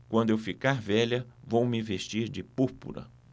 quando eu ficar velha vou me vestir de púrpura